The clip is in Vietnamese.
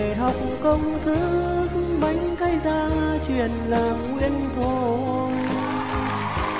về học công thức bánh cáy gia truyền làng nguyễn thôi